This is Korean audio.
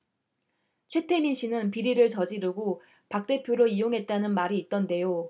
최태민씨는 비리를 저지르고 박 대표를 이용했다는 말이 있던데요